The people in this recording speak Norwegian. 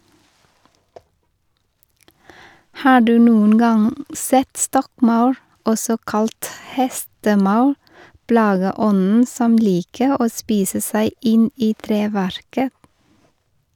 Har du noen gang sett stokkmaur, også kalt hestemaur, plageånden som liker å spise seg inn i treverket?